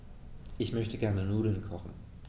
Ich möchte gerne Nudeln kochen.